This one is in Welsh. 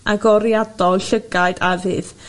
agoriadol llygaid a fydd